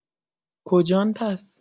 کجان پس؟